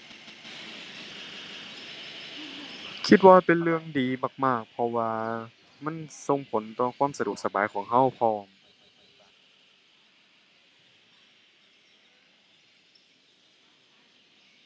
คิดว่าเป็นเรื่องดีมากมากเพราะว่ามันส่งผลต่อความสะดวกสบายของเราพร้อม